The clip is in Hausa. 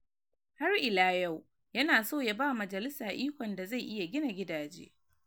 Har ila yau, yana so ya ba majalisa ikon da zai iya gina gidaje.